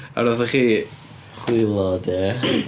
A wnaethoch chi... Chwilod, ia.